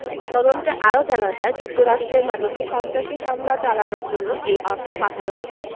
তদন্তে আরও জানা যায় যুক্তরাষ্ট্রের মাটিতে সন্ত্রাসী হামলা চালানোর জন্য এই অর্থ পাঠানো হতো